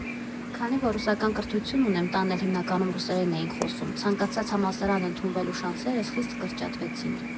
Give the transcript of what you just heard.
Քանի որ ռուսական կրթություն ունեմ, տանն էլ հիմնականում ռուսերեն էինք խոսում՝ ցանկացած համալսարան ընդունվելու շանսերս խիստ կրճատվեցին։